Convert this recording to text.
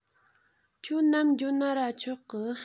ཁྱོད ནམ འགྱོ ན ར ཆོག གི